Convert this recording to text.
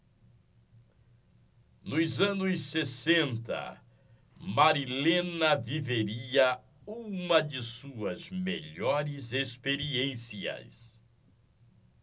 nos anos sessenta marilena viveria uma de suas melhores experiências